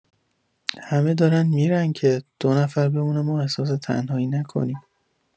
همه دارن می‌رن که دو نفر بمونه ما احساس تنهایی نکنیم